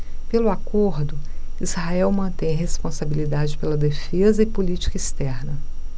pelo acordo israel mantém responsabilidade pela defesa e política externa